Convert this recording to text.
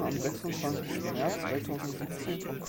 Bezeichnung „ Sāmon “([saːmoɴ], von